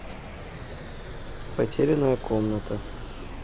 потерянная комната